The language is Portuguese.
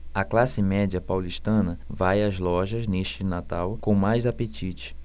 a classe média paulistana vai às lojas neste natal com mais apetite